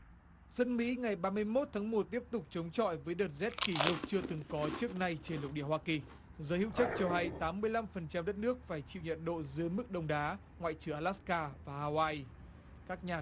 dân mỹ ngày ba mươi mốt tháng một tiếp tục chống chọi với đợt rét kỷ lục chưa từng có trước nay trên lục địa hoa kỳ giới hữu trách cho hay tám mươi lăm phần trăm đất nước phải chịu nhiệt độ dưới mức đông đá ngoại trừ a lát ca và hao oai các nhà